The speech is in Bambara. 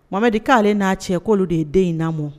Momɛdi'ale n'a cɛ koolu de ye den in lamɔmu